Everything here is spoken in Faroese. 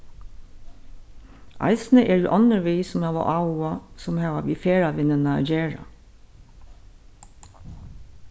eisini eru onnur við sum hava áhuga sum hava við ferðavinnuna at gera